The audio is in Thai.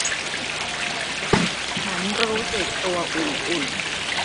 ฉันรู้สึกตัวอุ่นอุ่น